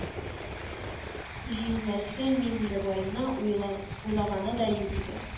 Җизнәсе Миңлебайны уйлаганы да юк иде